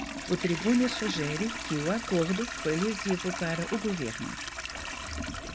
o tribune sugere que o acordo foi lesivo para o governo